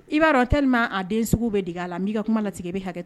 I b'a dɔn teli maa aa den sugu bɛ d a la n'i ka kuma latigɛ bɛ hakɛ